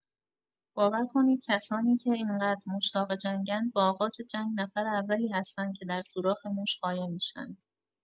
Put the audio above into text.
باور کنید کسانیکه اینقدر مشتاق جنگند با آغاز جنگ نفر اولی هستند که در سوراخ موش قایم میشند.